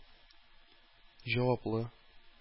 Җаваплы